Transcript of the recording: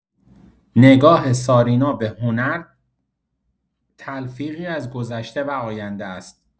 نگاه سارینا به هنر تلفیقی از گذشته و آینده است.